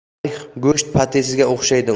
tarix go'sht pate siga o'xshaydi